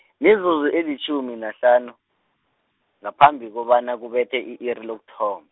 mizuzu elitjhumi nahlanu, ngaphambi kobana kubethe i-iri lokuthom-.